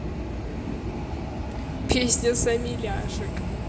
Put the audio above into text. песня сами ляшек